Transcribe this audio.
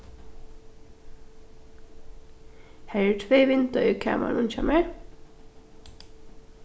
har eru tvey vindeygu í kamarinum hjá mær